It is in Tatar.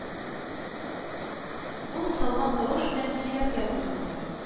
Ул салмак тавыш белән сөйләргә тотынды: